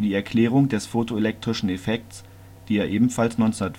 Erklärung des fotoelektrischen Effekts, die er ebenfalls 1905